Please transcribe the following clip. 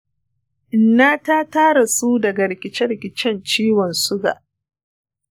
innata ta rasu daga rikice-rikicen ciwon suga.